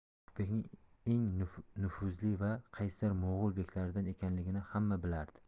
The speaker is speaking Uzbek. yoqubbekning eng nufuzli va qaysar mo'g'ul beklaridan ekanligini hamma bilardi